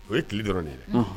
O ye tile dɔrɔn nin ye